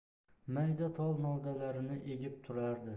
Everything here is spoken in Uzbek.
mayda tol novdalarini egib turardi